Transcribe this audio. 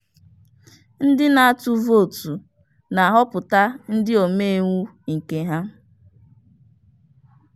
Ndị na-atụ votu na-aghọpụta ndị omeiwu nke ha.